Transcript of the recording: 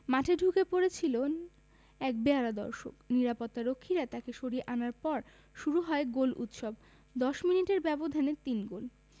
মাঠে ঢুকে পড়েছিলেন এক বেয়াড়া দর্শক নিরাপত্তারক্ষীরা তাকে সরিয়ে আনার পর শুরু হয় গোল উৎসব ১০ মিনিটের ব্যবধানে তিন গোল